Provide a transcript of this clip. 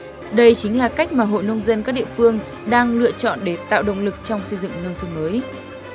đây chính là cách mà hộ nông dân các địa phương đang lựa chọn để tạo động lực trong xây dựng nông thôn mới